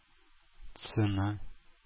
Цена